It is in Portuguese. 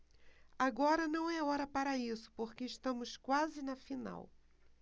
agora não é hora para isso porque estamos quase na final